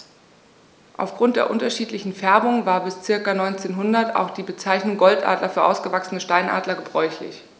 Auf Grund der unterschiedlichen Färbung war bis ca. 1900 auch die Bezeichnung Goldadler für ausgewachsene Steinadler gebräuchlich.